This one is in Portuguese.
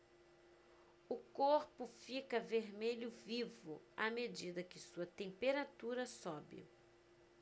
o corpo fica vermelho vivo à medida que sua temperatura sobe